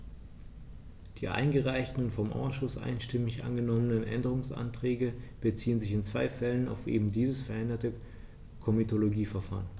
Die eingereichten und vom Ausschuss einstimmig angenommenen Änderungsanträge beziehen sich in zwei Fällen auf eben dieses veränderte Komitologieverfahren.